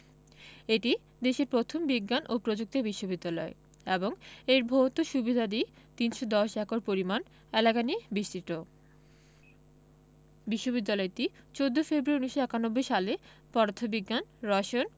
এটি দেশের প্রথম বিজ্ঞান ও প্রযুক্তি বিশ্ববিদ্যালয় এবং এর ভৌত সুবিধাদি ৩১০ একর পরিমাণ এলাকা নিয়ে বিস্তৃত বিশ্ববিদ্যালয়টি ১৪ ফেব্রুয়ারি ১৯৯১ সালে পদার্থ বিজ্ঞান রসায়ন